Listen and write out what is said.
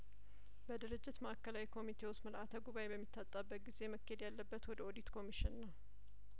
በድርጅት ማእከላዊ ኮሚቴ ውስጥ ምልአተ ጉባኤ በሚታጣበት ጊዜ መኬድ ያለበት ወደ ኦዲት ኮሚሽን ነው